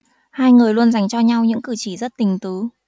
hai người luôn dành cho nhau những cử chỉ rất tình tứ